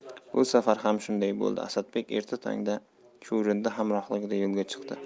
bu safar ham shunday bo'ldi asadbek erta tongda chuvrindi hamrohligida yo'lga chiqdi